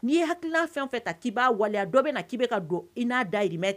N'i hakilila fɛn fɛ ka k'i' waleya dɔ bɛ na k'i bɛ ka don i n'a dayihimɛ